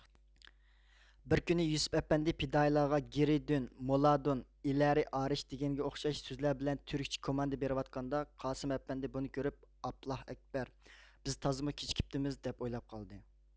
بىر كۈنى يۈسۈپ ئەپەندى پىدائىيلارغا گېرى دۈن مولادۇن ئىلەرى ئارش دېگەنگە ئوخشاش سۆزلەر بىلەن تۈركچە قوماندا بېرىۋاتقاندا قاسىم ئەپەندى بۇنى كۆرۈپ ئاپلاھۇ ئەكبەر بىز تازىمۇ كېچىكىپتىمىز دەپ ئويلاپ قالدى